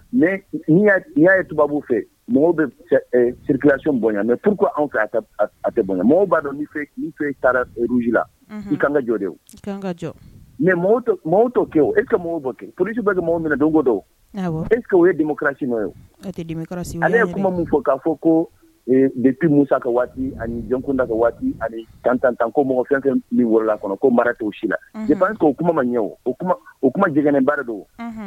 Mɛ y'a ye tubabu fɛ mɔgɔw bɛ sirikikalasi bɔn yan mɛ tu anw fɛ a mɔgɔw b'a dɔn fɛ taarauru la i kan ka jɔ de ka jɔ mɛ tɔ kɛ e ka mɔgɔw kɛ polisi bɛ di minɛ donko dɔw e ye diransi ne ye kuma min fɔ k'a fɔ ko ni musa ka waati ani jɔnkunda ka waati ani kan tan tan ko mɔgɔ kan kan ni wolola kɔnɔ ko mara t' si la nian o kuma ma ɲɛ o u kuma jgɛn baara don